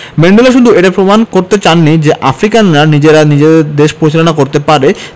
Mandela শুধু এটা প্রমাণ করতে চাননি যে আফ্রিকানরা নিজেরা নিজেদের দেশ পরিচালনা করতে পারে